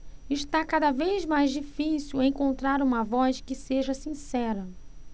está cada vez mais difícil encontrar uma voz que seja sincera